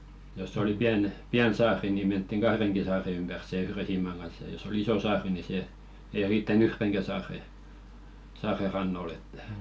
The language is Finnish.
jos oli pieni pieni saari niin mentiin kahdenkin saaren ympäri sen yhden siiman kanssa ja jos oli iso saari niin se ei riittänyt yhdenkään saaren saaren rannoille että